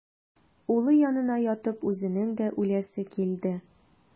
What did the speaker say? Улы янына ятып үзенең дә үләсе килде.